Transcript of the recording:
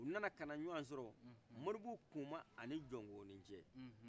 u nana kana ɲɔgɔn sɔrɔ mɔribugu kuma ani jɔnkoloni cɛ